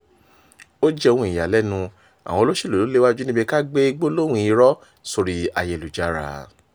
Ó jẹ́ ohun ìyàlẹ́nu, àwọn olóṣèlúu ló léwájú níbi ká gbé gbólóhùn irọ́ sórí ayélujára.